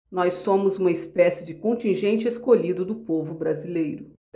nós somos uma espécie de contingente escolhido do povo brasileiro